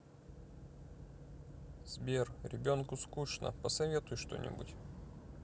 сбер ребенку скучно посоветуй что нибудь